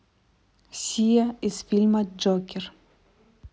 сиа из фильма джокер